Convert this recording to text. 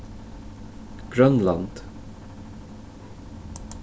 grønland